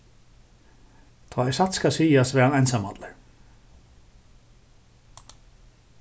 tá ið satt skal sigast var hann einsamallur